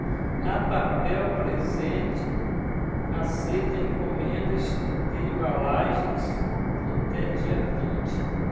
a papel presente aceita encomendas de embalagens até dia vinte